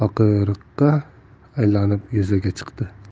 dardi baqiriqqa aylanib yuzaga chiqdi